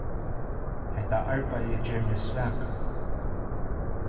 hetta arbeiðið ger meg svakan